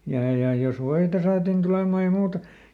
ja ja jos voita saatiin tulemaan ja muuta